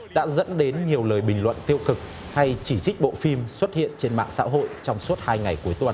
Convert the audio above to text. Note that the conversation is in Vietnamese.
đã dẫn đến nhiều lời bình luận tiêu cực hay chỉ trích bộ phim xuất hiện trên mạng xã hội trong suốt hai ngày cuối tuần